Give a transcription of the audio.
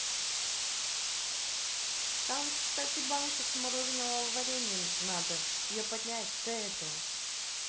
там кстати банку смородинного варенья надо ее поднять до этого